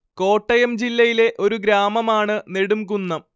കോട്ടയം ജില്ലയിലെ ഒരു ഗ്രാമമാണ്‌ നെടുംകുന്നം